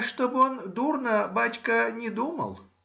— Чтобы он дурно, бачка, не думал.